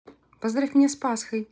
поздравь меня с пасхой